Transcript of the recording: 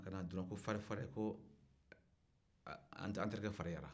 a nana dɔrɔn ko fari-fari ko an terikɛ fariya